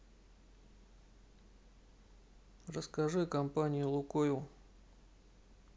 расскажи о компании лукойл